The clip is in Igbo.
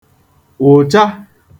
wụ̀cha